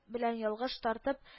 Белән ялгыш тартып